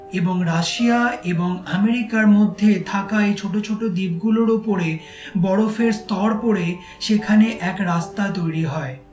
এবং রাশিয়া এবং এমেরিকার মধ্যে থাকা এ ছোট ছোট দ্বীপ গুলোর উপরে বরফের স্তর পড়ে সেখানে এক রাস্তা তৈরি হয়